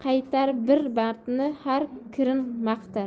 bir mardni har kirn maqtar